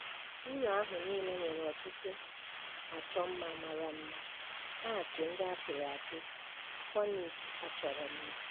Ụlọ ahu niile nwere ọtụtụ achọmma mara mma — áàkị̀ ndị pịrị apị, kọniiki a chọrọ mma.